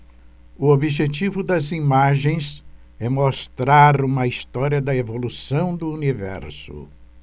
o objetivo das imagens é mostrar uma história da evolução do universo